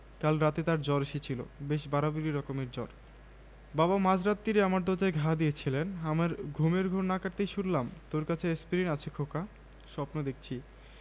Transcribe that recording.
এই ভেবে পাশে ফিরে আবার ঘুমিয়ে পড়ার উদ্যোগ করতেই মায়ের কান্না শুনলাম মা অসুখ বিসুখ একেবারেই সহ্য করতে পারেন না অল্প জ্বর অল্প মাথা ব্যাথা এতেই কাহিল